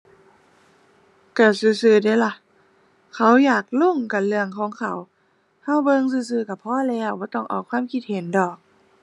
ก็ซื่อซื่อเดะล่ะ เขาอยากลงก็เรื่องของเขา ก็เบิ่งซื่อซื่อก็พอแล้ว บ่ต้องออกความคิดเห็นดอก